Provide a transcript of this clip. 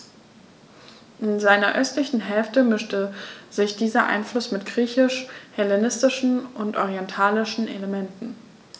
In seiner östlichen Hälfte mischte sich dieser Einfluss mit griechisch-hellenistischen und orientalischen Elementen.